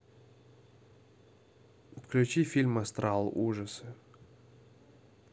включи фильм астрал ужасы